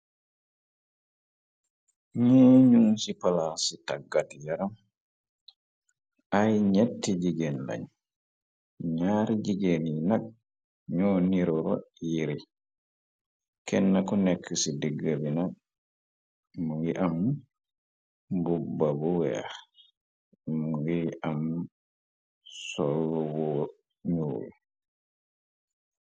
Nee ñu ci palaas ci tàggat yaram ay ñetti jigéen lañ ñaar jigéen yi nag ñoo niruro yiri kenn ko nekk ci diggabina mu ngi am bu babu weex mu ngi am solw ñuuy.